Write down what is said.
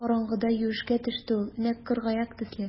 Караңгыда юешкә төште ул нәкъ кыргаяк төсле.